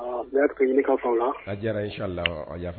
Ne'a ɲinika fɔ la'a diyara ic la